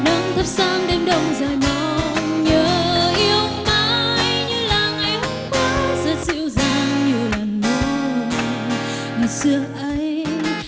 nắng thắp sáng đêm đông dài mong nhớ yêu mãi như là ngày hôm qua rất dịu dàng như làn môi ngày xưa ấy